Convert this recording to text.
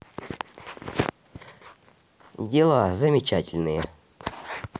дела замечательные